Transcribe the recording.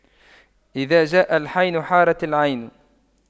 إذا جاء الحين حارت العين